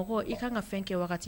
Mɔgɔ i ka kan ka fɛn kɛ waati